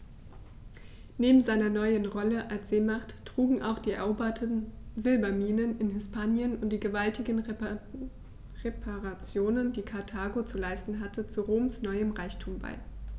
Neben seiner neuen Rolle als Seemacht trugen auch die eroberten Silberminen in Hispanien und die gewaltigen Reparationen, die Karthago zu leisten hatte, zu Roms neuem Reichtum bei.